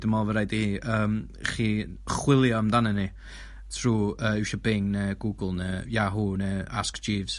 Dwi'n me'wl bo' rhaid i yym chi chwilio amdanyn ni trw yy iwsio Bing ne' Google ne' Yahoo ne' Ask Jeeves.